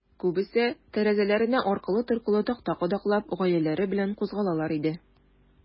Күбесе, тәрәзәләренә аркылы-торкылы такта кадаклап, гаиләләре белән кузгалалар иде.